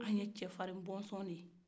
repetition